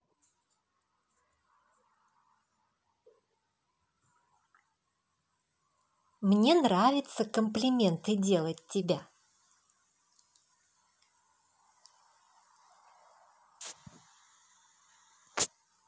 мне нравится комплименты делать тебя